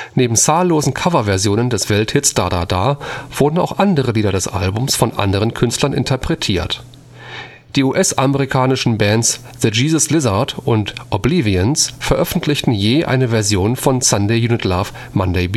Neben zahllosen Cover-Versionen des Welthits Da Da Da wurden auch andere Lieder des Albums von anderen Künstlern interpretiert. Die US-Amerikanischen Bands The Jesus Lizard und Oblivians veröffentlichten je eine Version von Sunday You Need Love Monday